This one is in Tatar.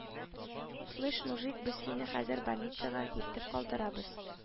- слышь, мужик, без сине хәзер больницага илтеп калдырабыз